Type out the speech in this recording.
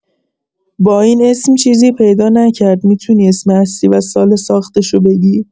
با این اسم چیزی پیدا نکرد می‌تونی اسم اصلی و سال ساختشو بگی؟